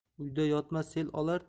uyda yotma sel olar